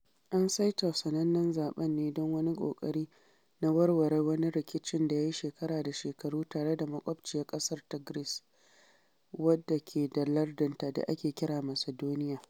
An saita sanannen zaɓen ne don wani ƙoƙari na warware wani rikicin da ya yi shekara da shekaru tare da makwaɓciyar ƙasa ta Greece, wadda ke da lardinta da ake kira Macedonia.